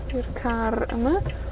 I'r car yma.